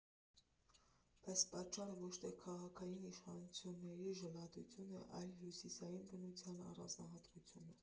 Բայց պատճառը ոչ թե քաղաքային իշխանությունների ժլատությունն է, այլ հյուսիսային բնության առանձնահատկությունը։